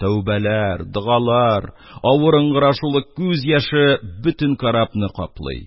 Тәүбәләр, догалар, авыр ыңгырашулы күз яше бөтен карабны каплый.